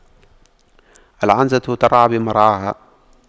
العنزة ترعى بمرعاها